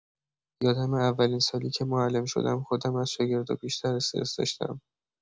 یادمه اولین سالی که معلم شدم، خودم از شاگردا بیشتر استرس داشتم.